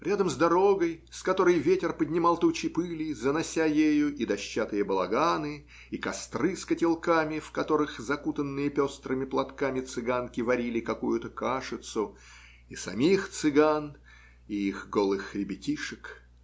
рядом с дорогой, с которой ветер поднимал тучи пыли, занося ею и дощатые балаганы, и костры с котелками, в которых закутанные пестрыми платками цыганки варили какую-то кашицу, и самих цыган, и их голых ребятишек.